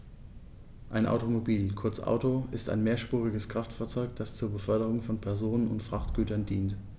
Ein Automobil, kurz Auto, ist ein mehrspuriges Kraftfahrzeug, das zur Beförderung von Personen und Frachtgütern dient.